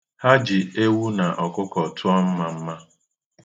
Ha ji ewu na ọkụkọ tụọ mmamma.